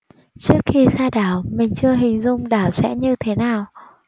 trước khi ra đảo mình chưa hình dung đảo sẽ như thế nào